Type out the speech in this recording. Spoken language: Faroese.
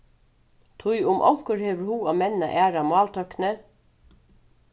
tí um onkur hevur hug at menna aðra máltøkni